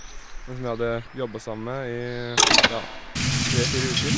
En som jeg hadde jobba sammen med i, ja, tre fire uker.